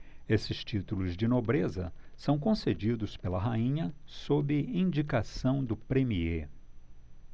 esses títulos de nobreza são concedidos pela rainha sob indicação do premiê